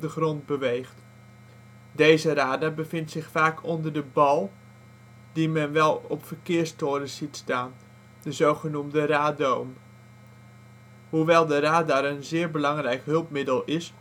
grond beweegt. Deze radar bevindt zich vaak onder de " bal " die men wel op verkeerstorens ziet staan, de zogenoemde radome. Hoewel de radar een zeer belangrijk hulpmiddel is